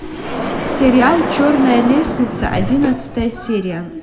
сериал черная лестница одиннадцатая серия